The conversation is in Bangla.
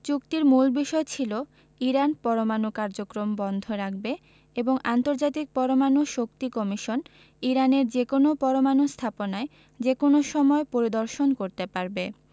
চুক্তির মূল বিষয় ছিল ইরান পরমাণু কার্যক্রম বন্ধ রাখবে এবং আন্তর্জাতিক পরমাণু শক্তি কমিশন ইরানের যেকোনো পরমাণু স্থাপনায় যেকোনো সময় পরিদর্শন করতে পারবে